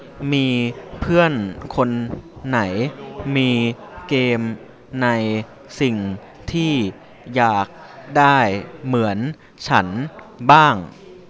มีเพื่อนคนไหนมีเกมในสิ่งที่อยากได้เหมือนฉันบ้าง